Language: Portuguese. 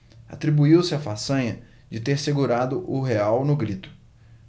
atribuiu-se a façanha de ter segurado o real no grito